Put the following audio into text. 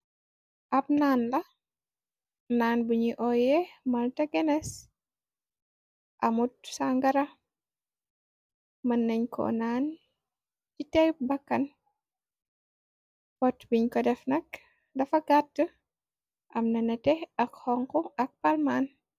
Ab naan la. Naan buñuy oyé malta guenes. Amut shangara. Mën nañ ko naan ci tewp bakkan. Pot biñ ko def nak dafa gàtt. Amna nate ak xonk ak palmaan.